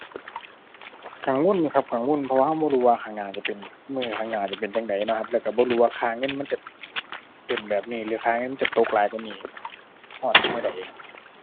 กังวลอยู่ครับกังวล เพราะเราบ่รู้ว่าข้างหน้าจะเป็น มื้อข้างหน้าจะเป็นจั่งใดเนาะครับ แล้วเราบ่รู้ว่าค่าเงินมันจะเป็นแบบนี้หรือค่าเงินมันจะตกหลายกว่านี้ ฮอดมื้อใดครับ